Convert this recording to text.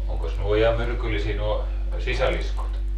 onkos nuo ja myrkyllisiä nuo sisiliskot